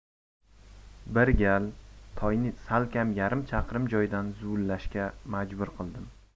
bir gal toyni salkam yarim chaqirim joydan zuvlashga majbur qildim